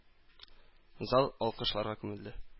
Зал алкышларга күмелде.